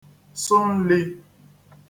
sụ n̄lī